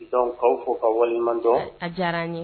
Dɔnku k'aw fo ka waleman dɔn a diyara n ye